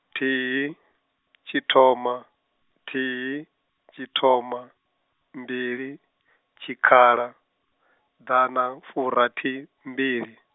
thihi, tshithoma, thihi, tshithoma, mbili, tshikhala, ḓanafurathimbili.